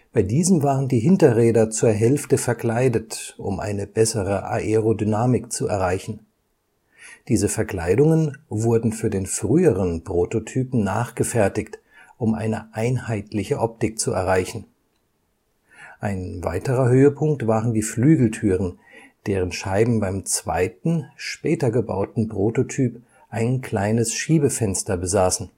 Bei diesem waren die Hinterräder zur Hälfte verkleidet, um eine bessere Aerodynamik zu erreichen. Diese Verkleidungen wurden für den früheren Prototypen nachgefertigt, um eine einheitliche Optik zu erreichen. Ein weiterer Höhepunkt waren die Flügeltüren, deren Scheiben beim zweiten, später gebauten Prototyp ein kleines Schiebefenster besaßen